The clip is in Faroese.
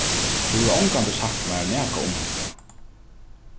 tú hevur ongantíð sagt mær nakað um hetta